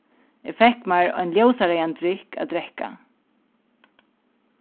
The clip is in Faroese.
eg fekk mær ein ljósareyðan drykk at drekka